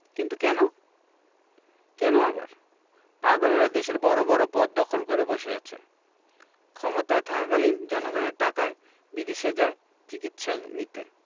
কিন্তু কেন কেন আবার পাগলেরা দেশের বড় বড় পদ দখল করে বসে আছে ক্ষমতায় থাকাকালীন জনগণের টাকায় বিদেশে যায় চিকিৎসা নিতে